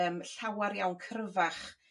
yym llawar iawn cryfach